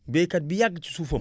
baykat bi yàgg si suufam